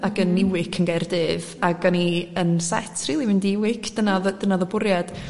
ag yn iwic yn Gardydd ag oni yn set rili mynd i iwic dyna odd - dyna odd y bwriad